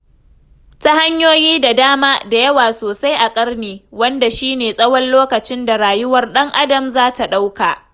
Ta hanyoyi da dama, da yawa sosai a ƙarni, wanda shi ne tsawon lokacin da rayuwar ɗan-adam za ta ɗauka.